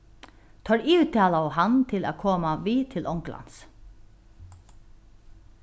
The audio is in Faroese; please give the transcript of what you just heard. teir yvirtalaðu hann til at koma við til onglands